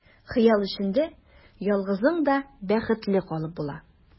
Хыял эчендә ялгызың да бәхетле калып була.